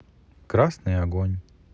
красный огонь